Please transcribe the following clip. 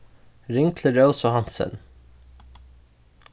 ring til rósu hansen